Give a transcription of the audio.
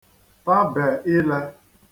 tabè irē